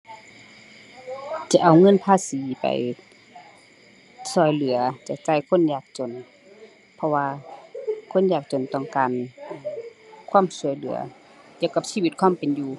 จะเอาเงินภาษีไปช่วยเหลือ แจกจ่ายคนยากจน เพราะว่าคนยากจนต้องการความช่วยเหลือเกี่ยวกับชีวิตความเป็นอยู่